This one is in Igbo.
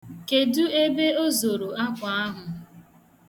Kedụ ebe o zoro akwa ahụ?